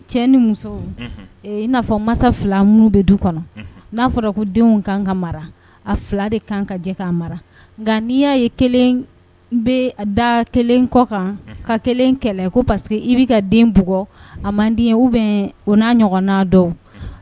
Cɛ nia fɔ masa bɛ du kɔnɔ n'a fɔra ko denw kan ka mara a fila de kan ka jɛ mara nka n'i y'a ye bɛ da kelen kɔ kan ka kelen kɛlɛ ko parceseke i bɛ ka denug a man di u bɛ ua ɲɔgɔn dɔw